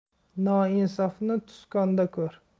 noinsofni tuzkonda ko'r